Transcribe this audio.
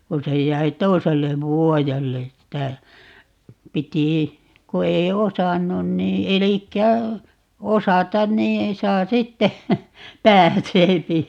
kun se jäi toiselle vuodelle että piti kun ei osannut niin eli osata niin saa sitten pääsee